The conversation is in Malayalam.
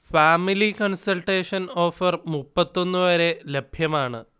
ഫാമിലി കൺസൾേട്ടഷൻ ഓഫർ മുപ്പത്തി ഒന്ന് വരെ ലഭ്യമാണ്